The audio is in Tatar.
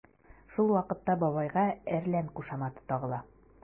Шул вакытта бабайга “әрлән” кушаматы тагыла.